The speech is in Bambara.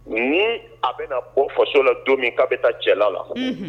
Ni a bɛna bɔ faso la don min k'a bɛ taa cɛla la.,. Unhun!